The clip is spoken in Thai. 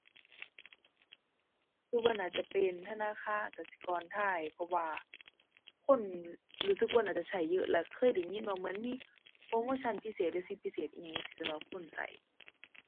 คิดว่าน่าจะเป็นธนาคารกสิกรไทย เพราะว่าคนรู้สึกว่าน่าจะใช้เยอะ แล้วเคยได้ยินว่าเหมือนมีโปรโมชันพิเศษหรือสิทธิ์พิเศษอิหยังจั่งซี้สำหรับคนคิด